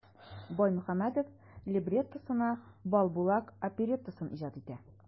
Баймөхәммәдев либреттосына "Балбулак" опереттасын иҗат итә.